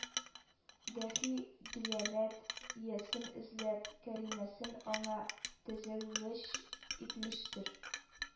Дәхи, диянәт иясен эзләп, кәримәсен аңа тәзәүвеҗ итмештер